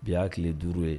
Bi y'a hakili duuru ye